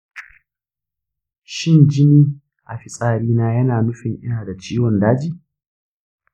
shin jini a fitsarina yana nufin ina da ciwon daji?